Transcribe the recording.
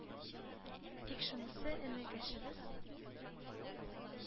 Тик шунысы, энекәшебез